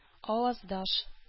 Аваздаш